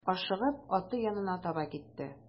Ашыгып аты янына таба китте.